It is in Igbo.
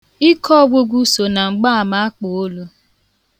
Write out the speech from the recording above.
Ike ọgwụgwụ so na mgbaama akpụolu.